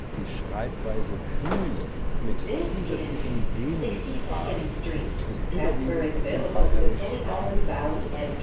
Die Schreibweise Hühle mit zusätzlichem Dehnungs-h ist überwiegend in Bayerisch Schwaben anzutreffen